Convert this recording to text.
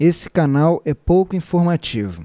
esse canal é pouco informativo